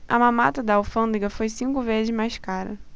a mamata da alfândega foi cinco vezes mais cara